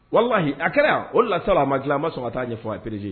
Walahi a kɛra o lasa a ma dilan a ma sɔn ka taa a ɲɛ ɲɛfɔ a pere